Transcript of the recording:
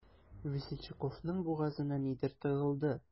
Весельчаковның бугазына нидер тыгылды.